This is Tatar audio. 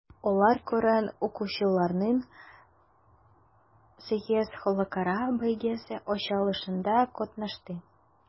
Алар Коръән укучыларның VIII халыкара бәйгесе ачылышында катнашты.